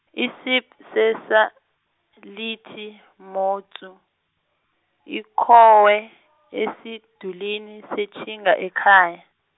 isib sesalithi motsu, ikhowe , esidulini satjhinga, ekhaya.